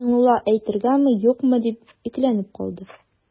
Миңнулла әйтергәме-юкмы дип икеләнеп калды.